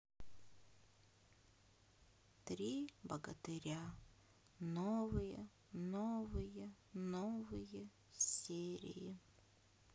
три богатыря новые новые новые серии